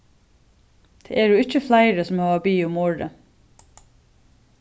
tað eru ikki fleiri sum hava biðið um orðið